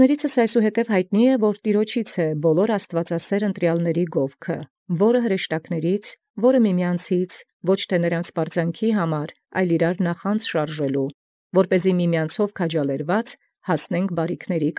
Յայտնի է այսուհետև ասացելովքս, եթէ գովութիւն ամենայն աստուածասէր ընտրելոցն ի Տեառնէ է, որ՝ ի հրեշտակաց, որ՝ առ ի միմեանց, ոչ ի պարծանս անձանց, այլ առ ի նախանձուկս միմեանց արկանելոյ, զի միմեամբք քաջալերեալք՝ հասանիցեմք ի բարեացն։